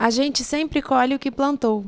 a gente sempre colhe o que plantou